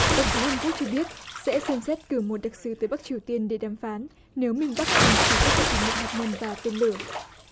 tổng thống hàn quốc cho biết sẽ xem xét cử một đặc sứ tới bắc triều tiên để đàm phán nếu miền bắc đình chỉ các vụ thử nghiệm hạt nhân và tên lửa